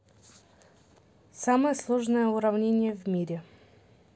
самое сложное уравнение в мире